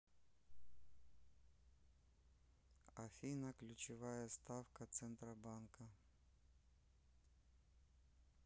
афина ключевая ставка центробанка